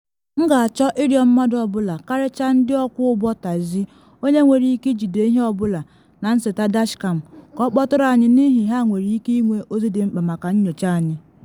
M ga-achọ ịrịọ mmadụ ọ bụla, karịchara ndị ọkwọ ụgbọ taksị, onye nwere ike ijide ihe ọ bụla na nseta dashkam ka ọ kpọtụrụ anyị n’ihi ha nwere ike ịnwe ozi dị mkpa maka nnyocha anyị.’